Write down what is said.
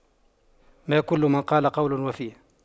ما كل من قال قولا وفى